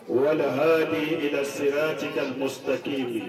Wala hali serati ka musotaki ye